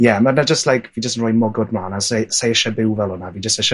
Ie, ma' 'na jyst like fi jyst yn roi mwgwd 'mla'n a sai sai isie byw fel wnna fi jyst isie